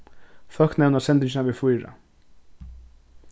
fólk nevna sendingina v4